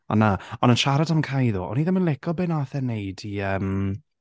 Ond na ond yn siarad am Kai ddo o'n i ddim yn licio be wnaeth e wneud i yym...